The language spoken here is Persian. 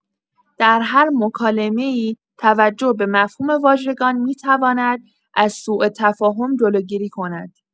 در هر مکالمه‌ای، توجه به مفهوم واژگان می‌تواند از سوءتفاهم جلوگیری کند.